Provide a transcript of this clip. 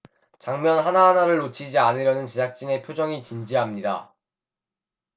장면 하나하나를 놓치지 않으려는 제작진의 표정이 진지합니다